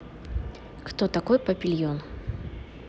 кто такой папильон